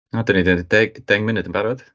Na, dan ni 'di wneud deg deg munud yn barod.